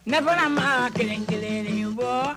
Ne bɔra ma kelen kelenlen bɔ